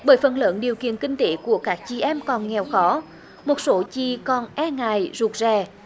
bởi phần lớn điều kiện kinh tế của các chị em còn nghèo khó một số chị còn e ngại rụt rè